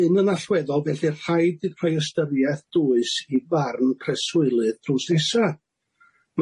hyn yn allweddol felly rhaid yy rhoi ystyriaeth dwys i farn preswylydd drws nesa.